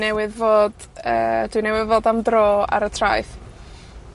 newydd fod yy, dwi newydd fod am dro ar y traeth.